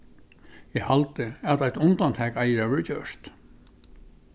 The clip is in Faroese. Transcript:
eg haldi at eitt undantak eigur at verða gjørt